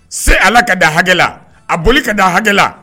Se ala ka da a hakɛla a boli ka da a hakɛ la